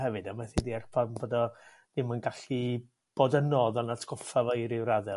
hefyd a methu deall pam fod o ddim yn gallu bod yno odd o'n atgoffa fo i ryw radde